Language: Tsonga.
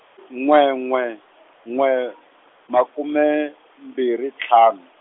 n'we n'we n'we, makume, mbirhi ntlhanu.